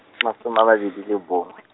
masome a mabedi le bongwe.